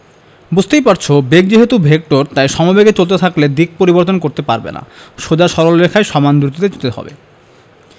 বুঝতেই পারছ বেগ যেহেতু ভেক্টর তাই সমবেগে চলতে হলে দিক পরিবর্তন করতে পারবে না সোজা সরল রেখায় সমান দ্রুতিতে যেতে হবে